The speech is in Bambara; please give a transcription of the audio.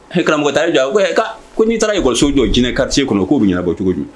Hrabu daja ko n'i taarakɔso jɔ jinɛ ka se kɔnɔ k'u minɛ bɔ cogo di